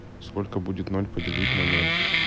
сколько будет ноль поделить на ноль